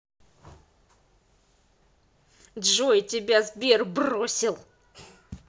джой тебя сбер бросил